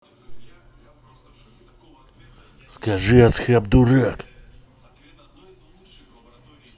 скажи асхаб дурак